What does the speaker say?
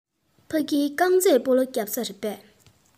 ཕ གི རྐང རྩེད སྤོ ལོ རྒྱག ས རེད པས